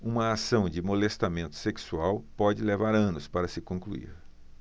uma ação de molestamento sexual pode levar anos para se concluir